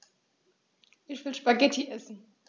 Ich will Spaghetti essen.